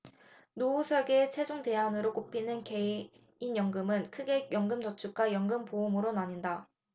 노후설계의 최종 대안으로 꼽히는 개인연금은 크게 연금저축과 연금보험으로 나뉜다